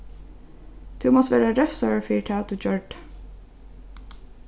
tú mást verða revsaður fyri tað tú gjørdi